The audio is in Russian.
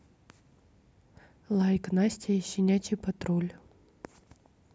лайк настя и щенячий патруль